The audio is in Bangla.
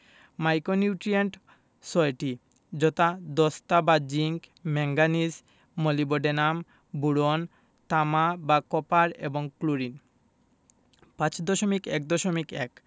মাইক্রোনিউট্রিয়েন্ট ৬টি যথা দস্তা বা জিংক ম্যাংগানিজ মোলিবডেনাম বোরন তামা বা কপার এবং ক্লোরিন ৫.১.১